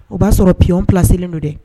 O b'a sɔrɔ py psilen don dɛ